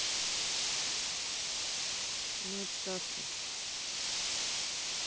на отставку